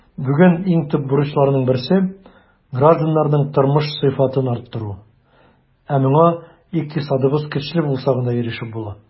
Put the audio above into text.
Бүген иң төп бурычларның берсе - гражданнарның тормыш сыйфатын арттыру, ә моңа икътисадыбыз көчле булса гына ирешеп була.